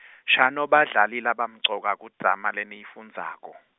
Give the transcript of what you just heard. shano badlali labamcoka kudrama leniyifundzako.